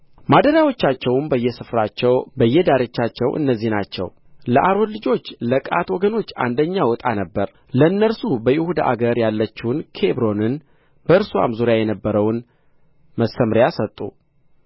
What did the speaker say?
ማደሪያዎቻቸውም በየሰፈራቸው በየዳርቻቸው እነዚህ ናቸው ለአሮን ልጆች ለቀዓት ወገኖች አንደኛው ዕጣ ነበረ ለእነርሱ በይሁዳ አገር ያለችውን ኬብሮንን በእርስዋም ዙሪያ የነበረውን መሰምርያ ሰጡ